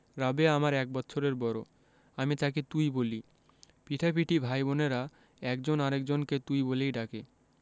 রাবেয়া আমার এক বৎসরের বড় আমি তাকে তুই বলি পিঠাপিঠি ভাই বোনেরা একজন আরেক জনকে তুই বলেই ডাকে